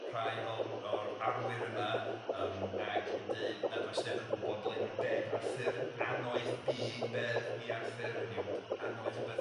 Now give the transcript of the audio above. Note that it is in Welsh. rhai o o'r arwyr yma yym ac yn deud nad oes neb yn gwbod ble ma' bedd Arthur annoeth byd bedd i Arthur, hynny yw dy- annoeth rhwbeth